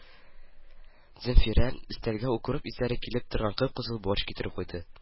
Зәнфирә өстәлгә укроп исләре килеп торган кып-кызыл борщ китереп куйды.